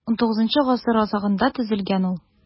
XIX гасыр азагында төзелгән ул.